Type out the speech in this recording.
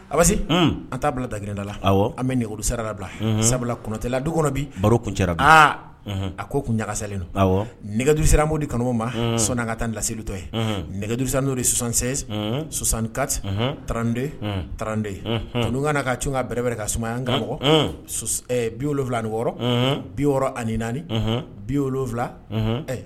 Aba an t' bila dagrindala an bɛ nɛgɛro siralabila sabula kɔnɔtɛla du kɔnɔ bi kun aaa a k ko kun ɲagaka salen don nɛgɛdi siramudi kanumɔ ma sɔ ka taa lasilitɔ ye nɛgɛdisan n'o de sonsansen sonsankati trante trante n ka ka c ka bɛrɛɛrɛ kasuma an kankɔ bi wolo wolonwula ani ni wɔɔrɔ bi wɔɔrɔ ani ni naani bi wolowula ɛɛ